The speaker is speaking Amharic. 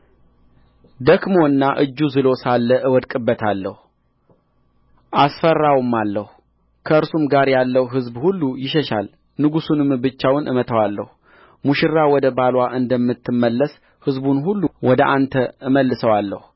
ደክሞና እጁ ዝሎ ሳለ እወድቅበታለህ አስፈራውማለሁ ከእርሱም ጋር ያለው ሕዝብ ሁሉ ይሸሻል ንጉሡንም ብቻውን እመታዋለሁ ሙሽራ ወደ ባልዋ እንደምትመለስ ሕዝቡን ሁሉ ወደ አንተ እመልሰዋለሁ